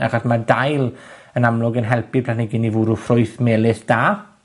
Achos mae dail, yn amlwg yn helpu'r planhigyn i fwrw ffrwyth melys da.